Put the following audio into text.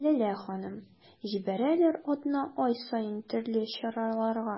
Ләлә ханым: җибәрәләр атна-ай саен төрле чараларга.